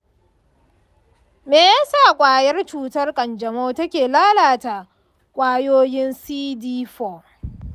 me ya sa ƙwayar cutar kanjamau take lalata ƙwayoyin cd4?